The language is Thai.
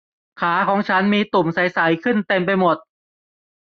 ขาของฉันมีตุ่มใสใสขึ้นเต็มไปหมด